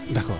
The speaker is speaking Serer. d' accord